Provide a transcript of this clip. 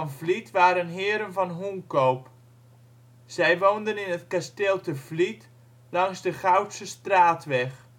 Vliet waren heren van Hoenkoop. Zij woonden in het Kasteel Te Vliet langs de Goudsestraatweg